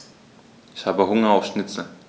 Ich habe Hunger auf Schnitzel.